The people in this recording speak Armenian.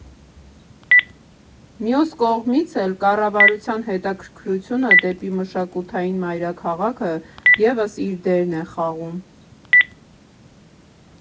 Մյուս կողմից էլ՝ կառավարության հետաքրքրությունը դեպի մշակութային մայրաքաղաքը ևս իր դերն է խաղում։